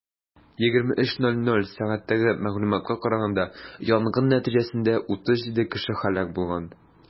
23:00 сәгатьтәге мәгълүматка караганда, янгын нәтиҗәсендә 37 кеше һәлак булган.